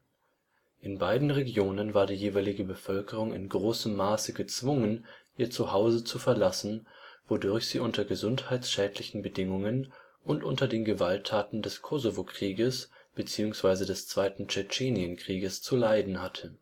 In beiden Regionen war die jeweilige Bevölkerung in großem Maße gezwungen, ihr Zuhause zu verlassen, wodurch sie unter gesundheitsschädlichen Bedingungen und unter den Gewalttaten des Kosovo-Krieges beziehungsweise des Zweiten Tschetschenienkrieges zu leiden hatte